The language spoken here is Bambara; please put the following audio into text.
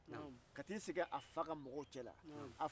mun bɛ fɔ i ma i fasola ko sunkuruba